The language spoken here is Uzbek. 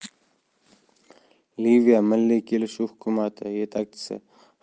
liviya milliy kelishuv hukumati yetakchisi